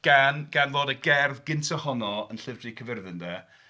Gan... gan fod y gerdd gyntaf honno yn Llyfr Du Caerfyrddin 'de...